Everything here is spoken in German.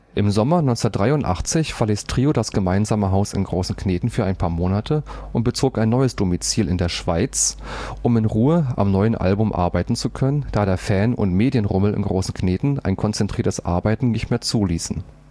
Im Sommer 1983 verließ Trio das gemeinsame Haus in Großenkneten für ein paar Monate und bezog ein neues Domizil in der Schweiz, um in Ruhe am neuen Album arbeiten zu können, da der Fan - und Medienrummel in Großenkneten ein konzentriertes Arbeiten nicht mehr zuließen